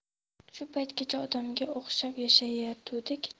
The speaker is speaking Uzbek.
shu paytgacha odamga o'xshab yashayatuvdik